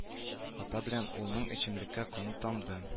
Ата белән улның эчемлеккә каны тамды